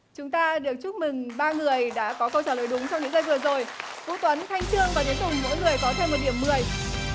chúng ta được chúc mừng ba người đã có câu trả lời đúng trong những giây vừa rồi vũ tuấn thanh chương và tiến tùng mỗi người có thêm một điểm mười